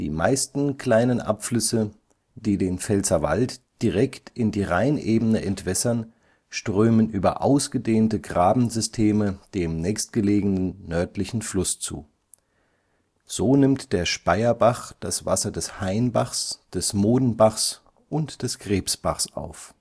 meisten kleinen Abflüsse, die den Pfälzerwald direkt in die Rheinebene entwässern, strömen über ausgedehnte Grabensysteme dem nächstgelegenen nördlichen Fluss zu. So nimmt der Speyerbach das Wasser des Hainbachs, des Modenbachs und des Krebsbachs auf